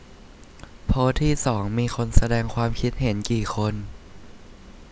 โพสต์ที่สองมีคนแสดงความคิดเห็นกี่คน